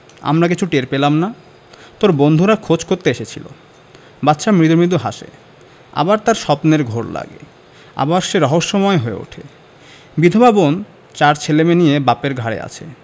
আমরা কিচ্ছু টের পেলাম না তোর বন্ধুরা খোঁজ করতে এসেছিলো বাদশা মৃদু মৃদু হাসে আবার তার স্বপ্নের ঘোর লাগে আবার সে রহস্যময় হয়ে উঠে বিধবা বোন চার ছেলেমেয়ে নিয়ে বাপের ঘাড়ে আছে